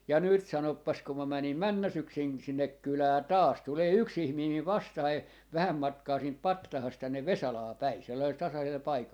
ja nyt sanopas kun minä menin menneenä syksynä sinne kylään taas tulee yksi ihminen minun vastaani vähän matkaa siitä patsaasta tänne Vesalaan päin sellaisella tasaisella paikalla